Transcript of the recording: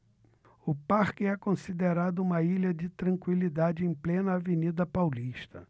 o parque é considerado uma ilha de tranquilidade em plena avenida paulista